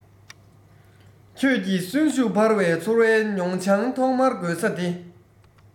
ཁྱོད ཀྱིས གསོན ཤུགས འཕར བའི ཚོར བའི མྱོང བྱང ཐོག མར དགོད ས དེ